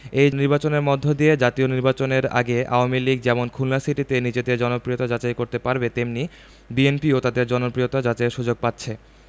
এই নির্বাচনের মধ্য দিয়ে জাতীয় নির্বাচনের আগে আওয়ামী লীগ যেমন খুলনা সিটিতে নিজেদের জনপ্রিয়তা যাচাই করতে পারবে তেমনি বিএনপিও তাদের জনপ্রিয়তা যাচাইয়ের সুযোগ পাচ্ছে